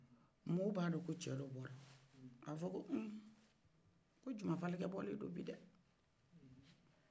maw b'a dɔ kafɔ ko cɛ dɔ bɔ a bɛ fɔ ko n ko jumafɔlika bɔlendo bidɛ